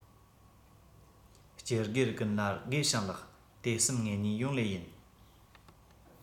སྤྱི སྒེར ཀུན ལ དགེ ཞིང ལེགས དེ བསམ ངེད གཉིས ཡོང ལེ ཡིན